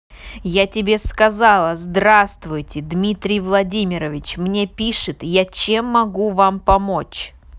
я тебе сказала здравствуйте дмитрий владимирович мне пишет я чем могу помочь